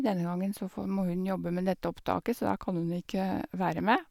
Denne gangen så få må hun jobbe med dette opptaket, så da kan hun ikke være med.